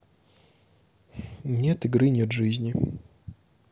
нет игры нет жизни